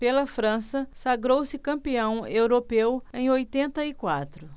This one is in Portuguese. pela frança sagrou-se campeão europeu em oitenta e quatro